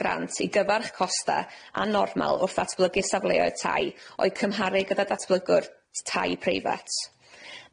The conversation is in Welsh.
grant i gyfarch costa anormal wrth ddatblygu safleoedd tai o'i cymharu gyda datblygwr t- tai preifat.